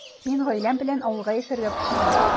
Мин гаиләм белән авылга яшәргә күчтем.